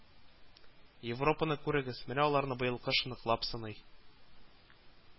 Европаны күрегез, менә аларны быел кыш ныклап сыный